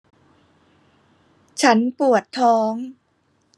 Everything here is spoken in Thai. ฉันปวดท้อง